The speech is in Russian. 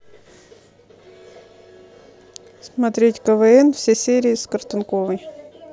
смотреть квн все серии с картунковой